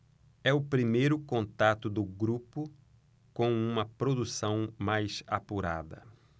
é o primeiro contato do grupo com uma produção mais apurada